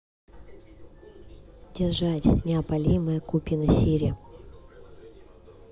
держать неопалимая купина сири